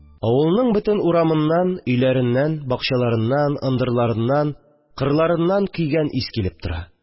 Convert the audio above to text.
Авылның бөтен урамыннан, өйләреннән, бакчаларыннан, ындырларыннан, кырларыннан көйгән ис килеп тора